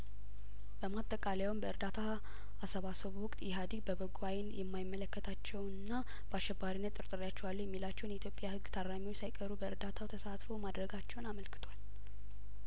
በማጠቃለያውም በእርዳታ አሰባሰቡ ወቅት ኢህአዲግ በበጐ አይን የማይመለከታቸውና በአሸባሪነት ጠርጥሬያቸዋለሁ የሚላቸውን ኢትዮጵያውያ የህግ ታራሚዎች ሳይቀሩ በእርዳታው ተሳትፎ ማድረጋቸውን አመልክቷል